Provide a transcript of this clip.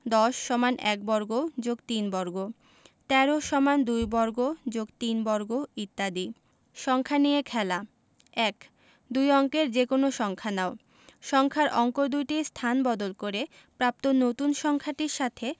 ১০ = ১ বর্গ + ৩ বর্গ ১৩ = ২ বর্গ + ৩ বর্গ ইত্যাদি সংখ্যা নিয়ে খেলা ১ দুই অঙ্কের যেকোনো সংখ্যা নাও সংখ্যার অঙ্ক দুইটির স্থান বদল করে প্রাপ্ত নতুন সংখ্যাটির সাথে